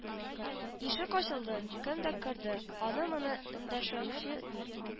Ишек ачылды кемдер керде аны-моны эндәшүче юк